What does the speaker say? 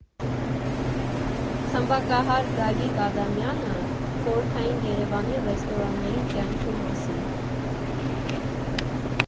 Թմբկահար Գագիկ Ադամյանը՝ խորհրդային Երևանի ռեստորանային կյանքի մասին։